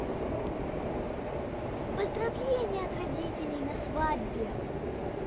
поздравления от родителей на свадьбе